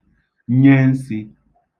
nye nsī